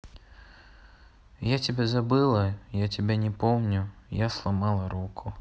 я тебя забыла я тебя не помню я сломала руку